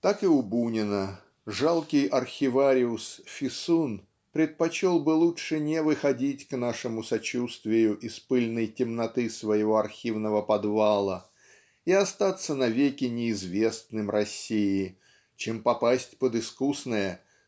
так и у Бунина жалкий архивариус Фисун предпочел бы лучше не выходить к нашему сочувствию из пыльной темноты своего архивного подвала и остаться навеки неизвестным России чем попасть под искусное